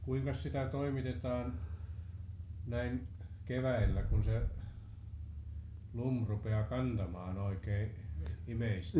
kuinkas sitä toimitetaan näin keväällä kun se lumi rupeaa kantamaan oikein ihmistä